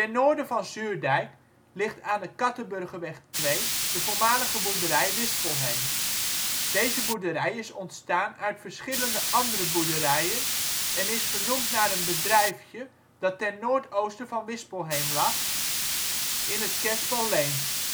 noorden van Zuurdijk ligt aan de Kattenburgerweg 2 de voormalige boerderij Wispelheem. Deze boerderij is ontstaan uit verschillende andere boerderijen en is vernoemd naar een bedrijfje dat ten noordoosten van Wispelheem lag, in het kerspel Leens